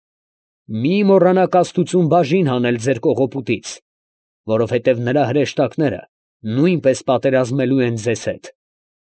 Մի՛ մոռանաք աստուծուն բաժին հանել ձեր կողոպուտից, որովհետև նրա հրեշտակները նույնպես պատերազմելու են ձեզ հետ։